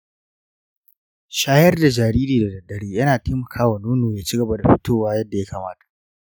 shayar da jariri da daddare yana taimaka wa nono ya ci gaba da fitowa yadda ya kamata.